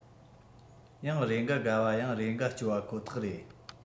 ཡང རེ འགའ དགའ བ ཡང རེ འགའ སྐྱོ བ ཁོ ཐག རེད